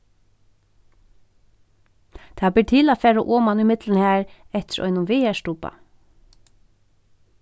tað ber til at fara oman ímillum har eftir einum vegarstubba